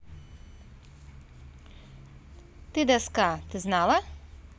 ты доска ты знала